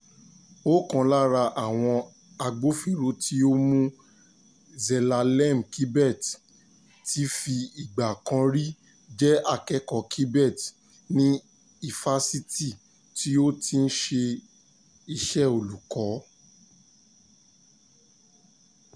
Ọ̀kan lára àwọn agbófinró tí ó mú Zelalem Kibret ti fi ìgbà kan rí jẹ́ akẹ́kọ̀ọ́ Kibret ní Ifásitì tí ó ti ń ṣe iṣẹ́ olùkọ́.